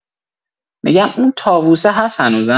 می‌گم اون طاووسه هس هنوزم؟